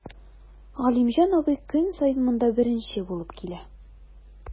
Галимҗан абый көн саен монда беренче булып килә.